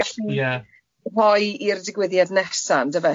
Beth... Ie. ...ni'n gallu rhoi i'r digwyddiad nesa yndyfe?